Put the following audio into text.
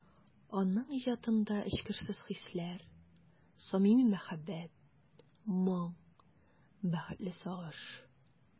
Аның иҗатында эчкерсез хисләр, самими мәхәббәт, моң, бәхетле сагыш...